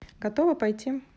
готово пойти